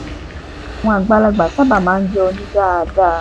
Àwọn àgbàlagbà sáábà máa ń jẹ́ onídáadáa.